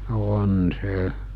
on se